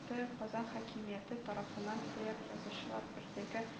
Ты казан хакимияте тарафыннан тээр язучылар берлеге